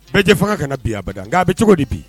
Bɛɛ jɛ fanga ka na bin abada nka a bi cogo di bi